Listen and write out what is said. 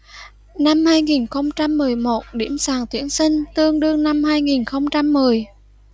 năm hai nghìn không trăm mười một điểm sàn tuyển sinh tương đương năm hai nghìn không trăm mười